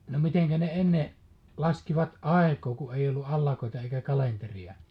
no miten ne ennen laskivat aikaa kun ei ollut allakoita eikä kalenteria